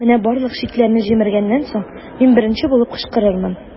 Менә барлык чикләрне җимергәннән соң, мин беренче булып кычкырырмын.